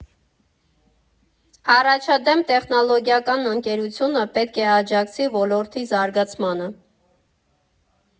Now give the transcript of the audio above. Առաջադեմ տեխնոլոգիական ընկերությունը պետք է աջակցի ոլորտի զարգացմանը։